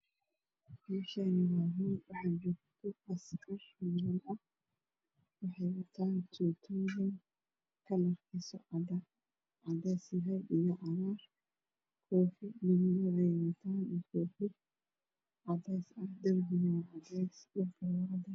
Meeshaan waa hool waxaa joogto askar niman ah waxay wataan tuute kalarkiisu waa cadeys iyo cagaar ah koofi madow na way wataan iyo koofi cagaaran. Darbiguna waa cadeys dhulkuna waa cadeys.